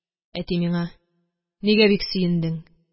Әти миңа: – Нигә бик сөендең?